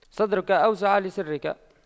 صدرك أوسع لسرك